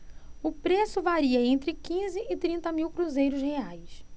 o preço varia entre quinze e trinta mil cruzeiros reais